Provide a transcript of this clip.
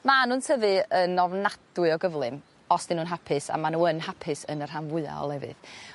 Ma' nw'n tyfu yn ofnadwy o gyflym os 'dyn nw'n hapus a ma' n'w yn hapus yn y rhan fwya o lefydd.